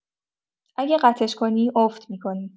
اگه قطعش کنی، افت می‌کنی.